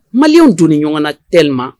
Mali dun ɲɔgɔn na teeli ma